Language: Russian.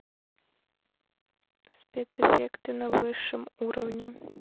спецэффекты на высшем уровне